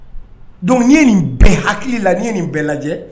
Don n ye nin bɛɛ hakili la n ye nin bɛɛ lajɛ